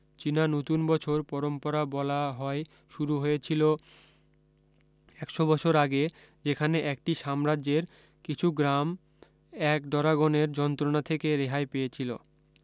চীনা নতুন বছর পরম্পরা বলা হয় শুরু হয়েছিলো একশ বছর আগে যখন একটি সাম্রাজ্যের কিছু গ্রাম এক ডরাগনের যন্ত্রণা থেকে রেহাই পেয়েছিল